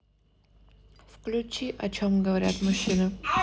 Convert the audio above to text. включи о чем говорят мужчины